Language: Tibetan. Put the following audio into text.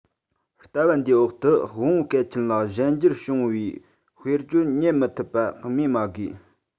ལྟ བ འདིའི འོག ཏུ དབང བོ གལ ཆེན ལ གཞན འགྱུར བྱུང བའི དཔེར བརྗོད རྙེད མི ཐུབ པ སྨོས མ དགོས